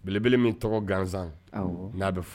Belebele min tɔgɔ gansan awɔ n'a be fɔ